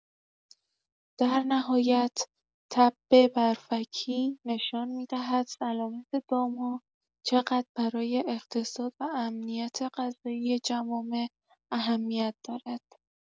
در نهایت، تب برفکی نشان می‌دهد سلامت دام‌ها چقدر برای اقتصاد و امنیت غذایی جوامع اهمیت دارد.